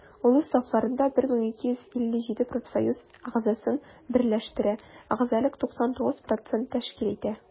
Ул үз сафларында 1257 профсоюз әгъзасын берләштерә, әгъзалык 99 % тәшкил итә.